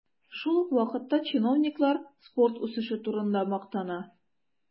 Шул ук вакытта чиновниклар спорт үсеше турында мактана.